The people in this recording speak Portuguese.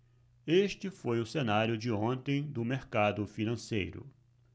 este foi o cenário de ontem do mercado financeiro